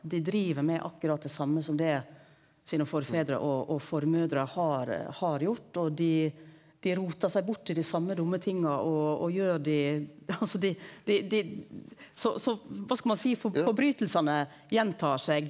dei driv med akkurat det same som det sine forfedrar og og formødrer har har gjort og dei dei rotar seg bort i dei same dumme tinga og og gjer dei altså dei dei dei så så kva skal ein seie brotsverka gjentar seg.